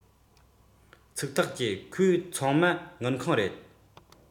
ཚིག ཐག བཅད ཁོས ཚང མ དངུལ ཁང རེད